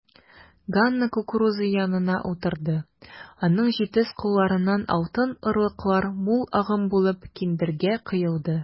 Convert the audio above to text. Ганна кукуруза янына утырды, аның җитез кулларыннан алтын орлыклар мул агым булып киндергә коелды.